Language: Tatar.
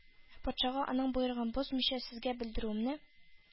Патшага аның боерыгын бозмыйча сезгә белдерүемне